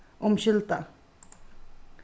umskylda